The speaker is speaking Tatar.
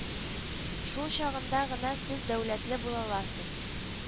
Шул чагында гына сез дәүләтле булаласыз